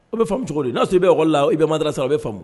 O bɛ faama cogo n'a' bɛkɔ la o bɛ ma da sɔrɔ u bɛ faamu